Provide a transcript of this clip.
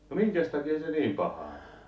no minkäs takia se niin pahaa oli